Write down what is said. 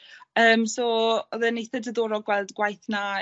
Yym so odd e'n eitha diddorol gweld y gwaith 'na